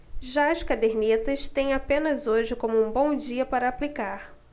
já as cadernetas têm apenas hoje como um bom dia para aplicar